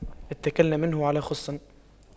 اتَّكَلْنا منه على خُصٍّ